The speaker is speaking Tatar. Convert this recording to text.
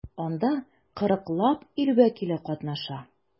Анда 40 лап ил вәкиле катнаша.